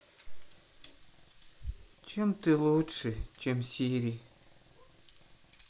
чем ты лучше чем сири